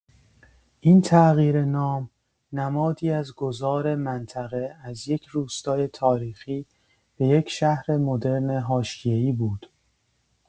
این تغییر نام، نمادی از گذار منطقه از یک روستای تاریخی به یک شهر مدرن حاشیه‌ای بود.